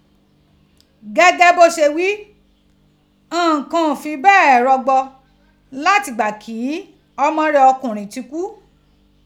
Gẹgẹ bo ṣe ghi, nnkan fi bẹẹ rọgbọ latigba ki ọmọ rẹ ọkunrin ti ku.